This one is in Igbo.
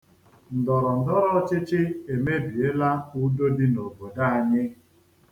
Ndọrọndọrọọchịchị emebiela udo dị n'obodo anyị.